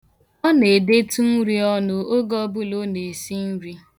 Ọ na-edetụ nri ọnụ oge ọbụla ọ na-esi nri.